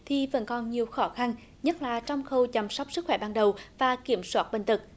thì vẫn còn nhiều khó khăng nhất là trong khâu chăm sóc sức khỏe ban đầu và kiểm soát bệnh tật